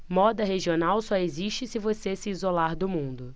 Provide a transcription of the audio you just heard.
moda regional só existe se você se isolar do mundo